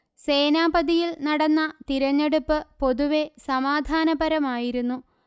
സേനാപതിയില് നടന്ന തിരഞ്ഞെടുപ്പ് പൊതുവെ സമാധാനപരമായിരുന്നു